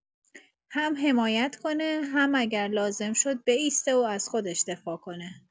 هم حمایت کنه، هم اگه لازم شد بایسته و از خودش دفاع کنه.